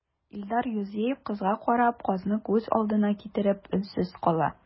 Илдар Юзеев, кызга карап, казны күз алдына китереп, өнсез кала.